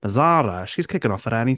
Mae Zara she's kicking off at anything.